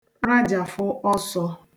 rajạfụ ọsọ̄